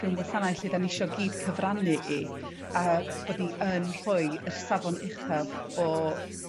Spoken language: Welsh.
yn wasanaeth lle 'dan ni isio gyd cyfrannu i a bod ni yn rhoi y safon uchaf o